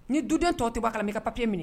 Ni duden tɔ toba la i ka papi minɛ